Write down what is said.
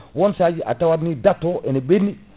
won sahaji a tawat ni date o ne ɓenni